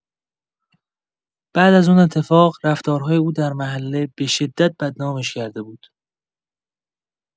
بعد از اون اتفاق، رفتارهای او در محله به‌شدت بدنامش کرده بود.